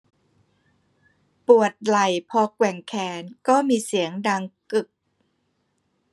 ปวดไหล่พอแกว่งแขนก็มีเสียงดังกึก